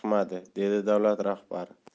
chiqmadi dedi davlat rahbari